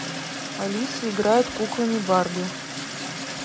алиса играет куклами барби